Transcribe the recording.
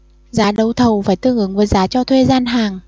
giá đấu thầu phải tương ứng với giá cho thuê gian hàng